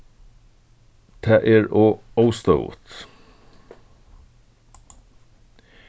tað er ov óstøðugt